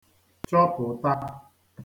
chọpụ̀ta